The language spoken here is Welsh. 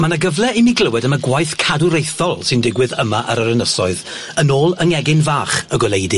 Ma' na gyfle i mi glywed am y gwaith cadwreithol sy'n digwydd yma ar yr ynysoedd yn ôl yng nghegyn fach y gwleidu.